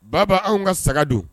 Baba anw ka saga don